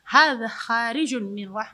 Haza kaarij un nin wa